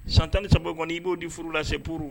San13 kɔni n'i b'o di furu la c'est pour